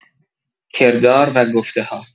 کردار و گفته‌ها